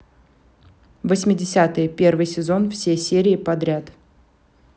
восьмидесятые первый сезон все серии подряд